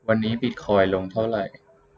วันนี้บิทคอยน์ลงเท่าไหร่